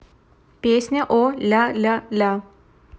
песня о ля ля ля